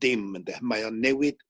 dim ynde mae o'n newid